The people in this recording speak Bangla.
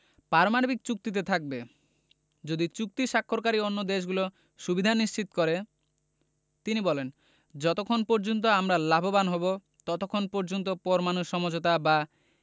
পারমাণবিক চুক্তিতে থাকবে যদি চুক্তি স্বাক্ষরকারী অন্য দেশগুলো সুবিধা নিশ্চিত করে তিনি বলেন যতক্ষণ পর্যন্ত আমরা লাভবান হব ততক্ষণ পর্যন্ত পরমাণু সমঝোতা বা